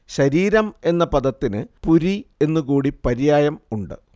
ശരീരം എന്ന പദത്തിന് പുരി എന്നുകൂടി പര്യായം ഉണ്ട്